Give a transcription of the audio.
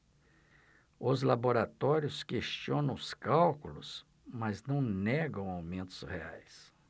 os laboratórios questionam os cálculos mas não negam aumentos reais